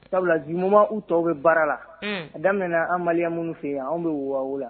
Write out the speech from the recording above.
Sabula jiumuma u tɔw bɛ baara la daminɛɛna an malo minnu fɛ yen an bɛ waa